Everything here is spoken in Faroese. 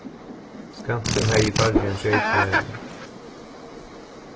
skansin hevði færri enn sjeyti hermenn